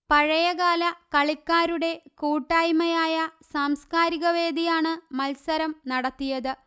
പഴയകാല കളിക്കാരുടെ കൂട്ടായ്മയായ സാംസ്കാരിക വേദിയാണ് മത്സരം നടത്തിയത്